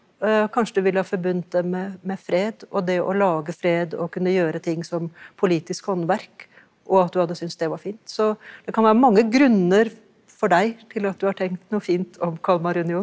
kanskje du ville ha forbundet det med med fred og det å lage fred og kunne gjøre ting som politisk håndverk og at du hadde syns det var fint så det kan være mange grunner for deg til at du har tenkt noe fint om Kalmarunionen.